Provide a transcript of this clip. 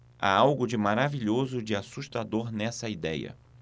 há algo de maravilhoso e de assustador nessa idéia